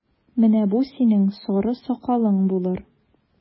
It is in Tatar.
Менә бу синең сары сакалың булыр!